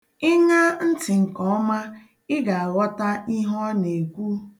Ị ṅaa ntị nke ọma, ị ga-aghọta ihe ọ na-ekwu.